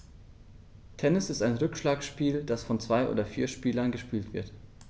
Tennis ist ein Rückschlagspiel, das von zwei oder vier Spielern gespielt wird.